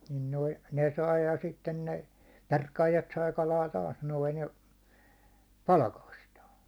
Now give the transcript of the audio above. niin noin ne sai ja sitten ne perkaajat sai kalaa taas noin ja palkastaan